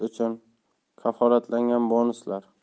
uchun kafolatlangan bonuslar